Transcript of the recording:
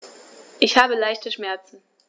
Ich habe leichte Schmerzen.